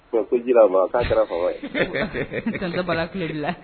Ko ji ma k'a kɛra fɔ ye i ka bala tile la